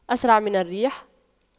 أسرع من الريح